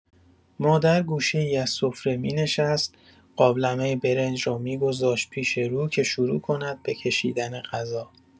مادر گوشه‌ای از سفره می‌نشست، قابلمه برنج را می‌گذاشت پیش رو که شروع کند به کشیدن غذا.